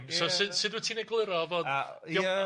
So sud sud wt ti'n egluro fod... A ia.